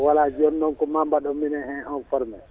voilà joni noon ko mbaɗon min in informé